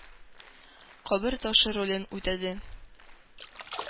Кабер ташы ролен үтәде.